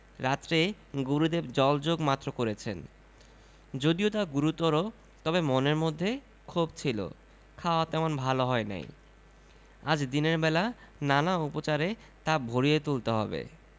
রাত্রে গুরুদেব জলযোগ মাত্র করেছেন যদিচ তা গুরুতর তবু মনের মধ্যে ক্ষোভ ছিল খাওয়া তেমন ভাল হয় নাই আজ দিনের বেলা নানা উপচারে তা ভরিয়ে তুলতে হবে